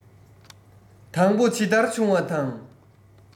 དང པོ ཇི ལྟར བྱུང བ དང